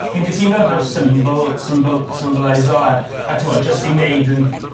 Fi'n cytuno 'da'r symbol symbol symboleiso a t- a t'mod jyst i neud yn